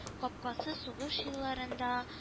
Капкасы сугыш елларында